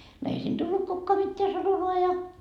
no ei siinä tullut kukaan mitään sanomaan ja